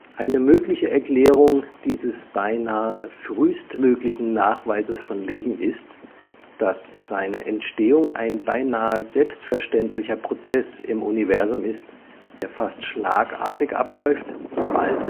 Eine mögliche Erklärung dieses beinahe „ frühestmöglichen “Nachweises von Leben ist, dass seine Entstehung ein beinahe selbstverständlicher Prozess im Universum ist, der fast schlagartig abläuft, sobald